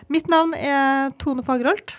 mitt navn er Tone Fagerholt.